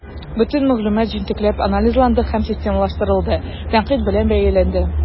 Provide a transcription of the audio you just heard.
Бөтен мәгълүмат җентекләп анализланды һәм системалаштырылды, тәнкыйть белән бәяләнде.